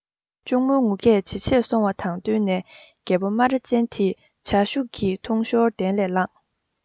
གཅུང མོའི ངུ སྐད ཇེ ཆེར སོང བ དང བསྟུན ནས རྒད པོ སྨ ར ཅན དེས ཇ ཤུགས ཀྱིས འཐུང ཞོར གདན ལས ལངས